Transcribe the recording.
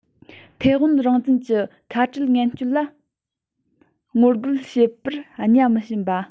ཐའེ ཝན རང བཙན གྱི ཁ བྲལ སྤྱོད ངན ལ ངོ རྒོལ བྱེད པར གཉའ མི ཞུམ པ